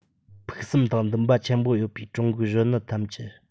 ཕུགས བསམ དང འདུན པ ཆེན པོ ཡོད པའི ཀྲུང གོའི གཞོན ནུ ཐམས ཅད